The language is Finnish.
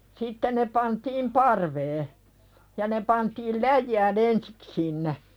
sitten ne pantiin parveen ja ne pantiin läjään ensin sinne